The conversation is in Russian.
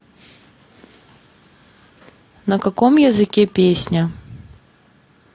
на каком языке песня